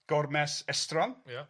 Gormes estron. Ia.